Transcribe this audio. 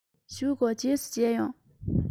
བཞུགས དགོས རྗེས སུ མཇལ ཡོང